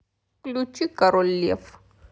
включи король лев